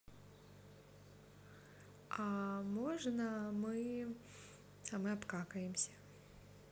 а можно мы а мы обкакаемся